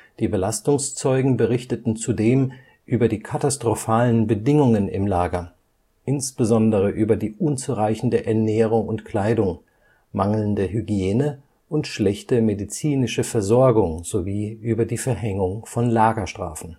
Die Belastungszeugen berichteten zudem über die katastrophalen Bedingungen im Lager, insbesondere über die unzureichende Ernährung und Kleidung, mangelnde Hygiene und schlechte medizinische Versorgung sowie über die Verhängung von Lagerstrafen